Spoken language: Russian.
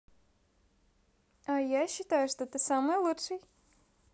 а я считаю что ты самый лучший